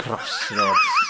Crossroads.